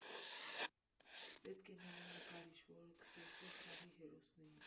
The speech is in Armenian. Պետք էր նաև նկարիչ, որը կստեղծեր խաղի հերոսներին։